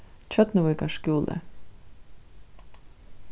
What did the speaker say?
tjørnuvíkar skúli